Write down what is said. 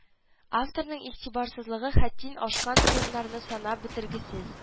Авторның игътибарсызлыгы хәттин ашкан урыннарны санап бетергесез